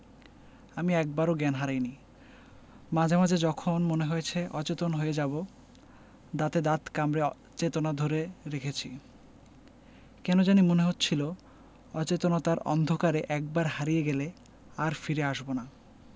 আমি একবারও জ্ঞান হারাইনি মাঝে মাঝে যখন মনে হয়েছে অচেতন হয়ে যাবো দাঁতে দাঁত কামড়ে চেতনা ধরে রেখেছি কেন জানি মনে হচ্ছিলো অচেতনতার অন্ধকারে একবার হারিয়ে গেলে আর ফিরে আসবো না